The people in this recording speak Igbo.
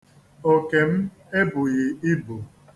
Oke m ebughi ibu.